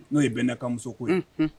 N'o ye bɛnɛ ka muso ko ye